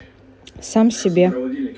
сам себе